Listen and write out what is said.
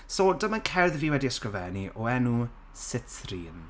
so dyma cerdd fi wedi ysgrifennu o enw Citrine.